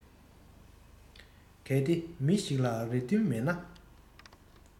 གལ ཏེ མི ཞིག ལ རེ འདུན མེད ན